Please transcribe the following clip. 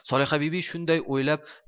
solihabibi shunday o'ylab